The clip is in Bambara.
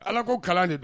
Ala ko kala de don